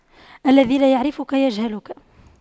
الذي لا يعرفك يجهلك